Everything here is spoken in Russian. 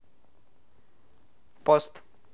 пост